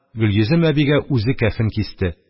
Гөлйөзем әбигә үзе кәфен кисте.